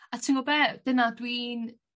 A ti'n g'o' be'? Dyna dwi'n